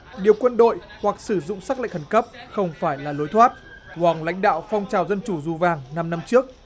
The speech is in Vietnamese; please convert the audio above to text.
điều quân đội hoặc sử dụng sắc lệnh khẩn cấp không phải là lối thoát oang lãnh đạo phong trào dân chủ dù vàng năm năm trước